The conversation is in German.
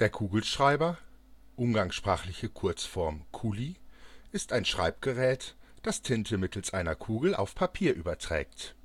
Kugelschreiber (umgangssprachliche Kurzform: Kuli) ist ein Schreibgerät, das Tinte mittels einer Kugel auf Papier überträgt